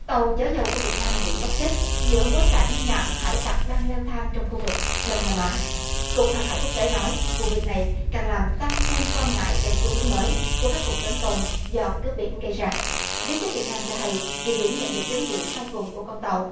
tàu chở dầu của việt nam bị mất tích giữa bối cảnh nạn hải tặc đang leo thang trong khu vực đông nam á cục hàng hải quốc tế nói vụ việc này càng làm tăng thêm quan ngại về xu hướng mới của các cuộc tấn công do cướp biển gây ra giới chức việt nam cho hay địa điểm nhận được tín hiệu sau cùng của con tàu